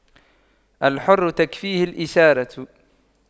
الحر تكفيه الإشارة